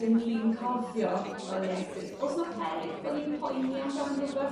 dyn ni'n cofio fel ie'nctid o's 'na peryg bo ni'n poeni am dan rhywbeth